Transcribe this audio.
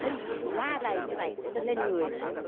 la rầy như vạy để cho nên người